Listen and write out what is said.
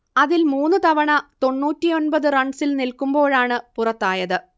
അതിൽ മൂന്ന് തവണ തൊണ്ണൂറ്റിയൊമ്പത് റൺസിൽ നിൽക്കുമ്പോഴാണ് പുറത്തായത്